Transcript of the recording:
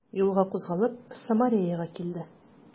Юлга кузгалып, Самареяга килде.